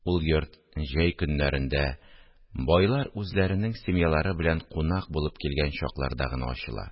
Ул йорт җәй көннәрендә, байлар үзләренең семьялары белән кунак булып килгән чакларда гына ачыла